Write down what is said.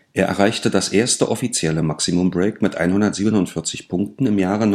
erreichte das erste offizielle Maximum Break mit 147 Punkten im Jahre